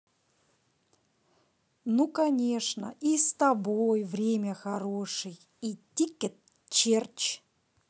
ну конечно и с тобой время хороший и ticket черч